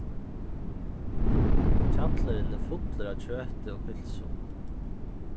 hjallurin er fullur av kjøti og pylsu